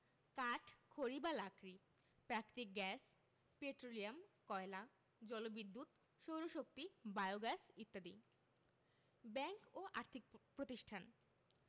কাঠ খড়ি বা লাকড়ি প্রাকৃতিক গ্যাস পেট্রোলিয়াম কয়লা জলবিদ্যুৎ সৌরশক্তি বায়োগ্যাস ইত্যাদি ব্যাংক ও আর্থিক প্রতিষ্ঠান